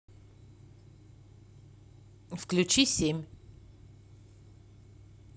включи семь